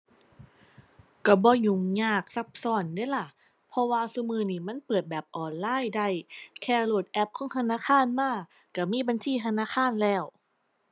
ก็บ่ยุ่งยากซับซ้อนเดะล่ะ เพราะว่าซุมื้อนี้มันเปิดแบบออนไลน์ได้ แค่โหลดแอปของธนาคารมาก็มีบัญชีธนาคารแล้ว